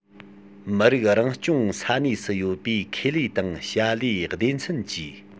མི རིགས རང སྐྱོང ས གནས སུ ཡོད པའི ཁེ ལས དང བྱ ལས སྡེ ཚན གྱིས